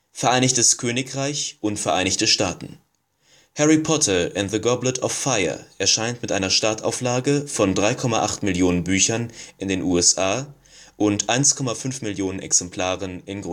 Vereinigtes Königreich und Vereinigte Staaten: „ Harry Potter and the Goblet of Fire “erscheint mit einer Startauflage von 3,8 Millionen Büchern in den USA und 1,5 Millionen Exemplaren in